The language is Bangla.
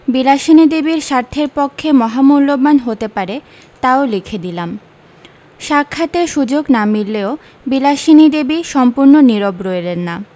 বিলাসিনী দেবীর স্বার্থের পক্ষে মহামূল্যবান হতে পারে তাও লিখে দিলাম সাক্ষাতের সু্যোগ না মিললেও বিলাসিনী দেবী সম্পূর্ণ নীরব রইলেন না